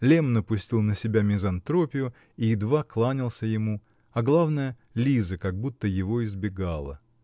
Лемм напустил на себя мизантропию и едва кланялся ему, -- а главное: Лиза как будто его избегала.